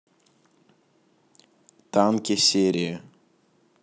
танки серии